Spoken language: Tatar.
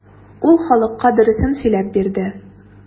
Ул халыкка дөресен сөйләп бирде.